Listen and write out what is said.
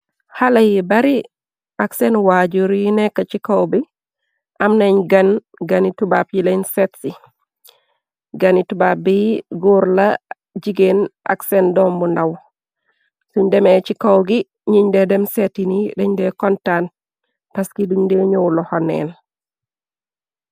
Haleh yi bari ak sehn waajur yi nekk ci kaw bi, amnen gan, gahni tubab yi lehn setsi, gahni tubab bi gorre la, jigain ak sehn dorm bu ndaw, soun demeh ci kaw gui njung deh dem sehti ni den daey kontaan paski dungh daey njow lokhor nehnn.